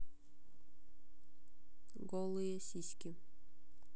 голые сиськи